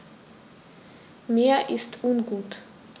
Mir ist ungut.